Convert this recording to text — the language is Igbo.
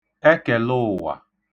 ekèlụụ̀wà